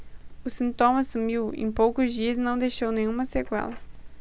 o sintoma sumiu em poucos dias e não deixou nenhuma sequela